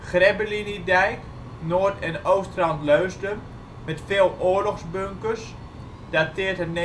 Grebbeliniedijk Noord - en oostrand Leusden. Met veel oorlogsbunkers, dateert uit 1935-1945